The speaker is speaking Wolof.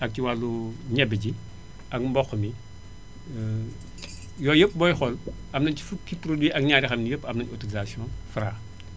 ak ci wàllu ñebe ji ak mboq mi yooyu yépp booy xool am nañu ci fukki produits ak ñaar yoo xam ne yépp am nañu autorisation Fara